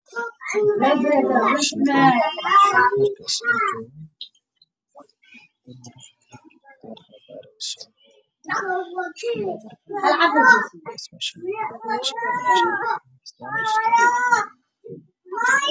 Waxaa fadhiyo gabar cadaan ah qabto oo indho shareer qabtoTaagan gabar kale oo dhakhtarad ah oo dureysa gabadhayada